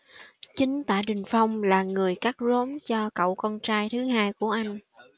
chính tạ đình phong là người cắt rốn cho cậu con trai thứ hai của anh